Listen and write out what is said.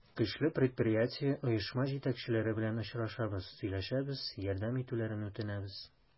Көчле предприятие, оешма җитәкчеләре белән очрашабыз, сөйләшәбез, ярдәм итүләрен үтенәбез.